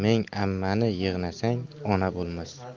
ming ammani yig'nasang ona bo'lmas